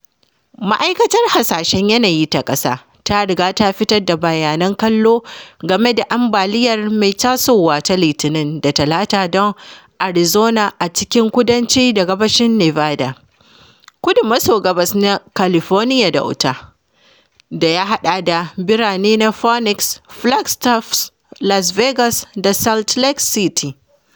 Ma’aikatar Hasashen Yanayi ta Ƙasa ta riga ta fitar da bayanan kallo game da ambaliyar mai tasowa ta Litinin da Talata don Arizona a cikin kudanci da gabashin Nevada, kudu-maso-gabas na California da Utah, da ya haɗa da birane na Phoenix, Flagstaff, Las Vegas, da Salt Lake City.